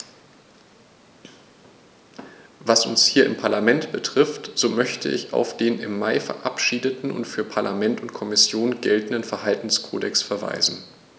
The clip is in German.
Was uns hier im Parlament betrifft, so möchte ich auf den im Mai verabschiedeten und für Parlament und Kommission geltenden Verhaltenskodex verweisen.